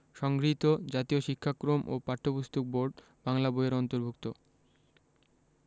সংগৃহীত জাতীয় শিক্ষাক্রম ও পাঠ্যপুস্তক বোর্ড বাংলা বই এর অন্তর্ভুক্ত